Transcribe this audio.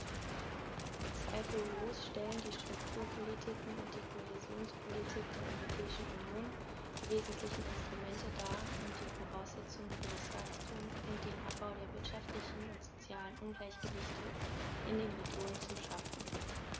Zweifellos stellen die Strukturpolitiken und die Kohäsionspolitik der Europäischen Union die wesentlichen Instrumente dar, um die Voraussetzungen für das Wachstum und den Abbau der wirtschaftlichen und sozialen Ungleichgewichte in den Regionen zu schaffen.